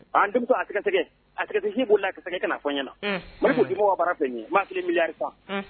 An denmuso asɛgɛ a b'o asɛgɛ ka na fɔ ɲɛna na walasa ko di baara fɛ ye masiri mifa